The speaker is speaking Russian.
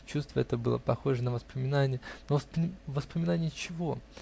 Чувство это было похоже на воспоминание; но воспоминание чего?